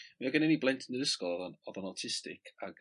. Mi odd gynnon ni blentyn 'n yr ysgol odd o'n odd o'n awtistig ag